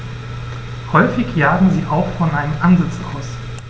Häufig jagen sie auch von einem Ansitz aus.